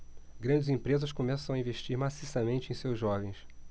grandes empresas começam a investir maciçamente em seus jovens